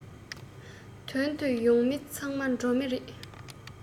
དོན དུ ཡོང མི ཚང མ འགྲོ མི རེད